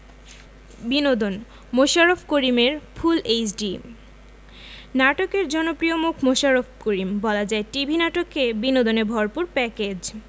বিনোদন মোশাররফ করিমের full HD নাটকের জনপ্রিয় মুখ মোশাররফ করিম বলা যায় টিভি নাটকে বিনোদনে ভরপুর প্যাকেজ